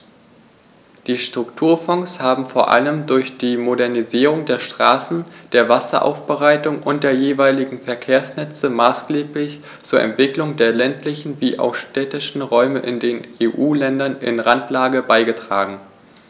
Die Strukturfonds haben vor allem durch die Modernisierung der Straßen, der Wasseraufbereitung und der jeweiligen Verkehrsnetze maßgeblich zur Entwicklung der ländlichen wie auch städtischen Räume in den EU-Ländern in Randlage beigetragen.